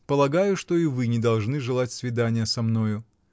полагаю, что и вы не должны желать свидания со мною.